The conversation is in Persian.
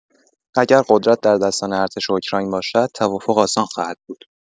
اگر قدرت در دستان ارتش اوکراین باشد، توافق آسان خواهد بود.